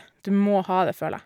Du må ha det, føler jeg.